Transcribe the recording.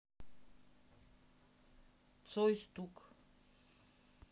цой стук